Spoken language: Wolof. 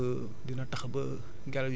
mais day fixer day fixer suuf si